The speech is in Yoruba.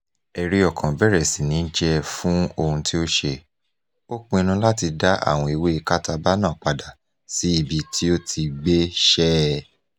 Ẹ̀rí-ọkàn bẹ̀rẹ̀ sí ní jẹ́ ẹ fún ohun tí ó ṣe, ó pinnu láti dá àwọn ewé kátabá náà padà sí ibi tí ó ti gbé ṣẹ́ ẹ.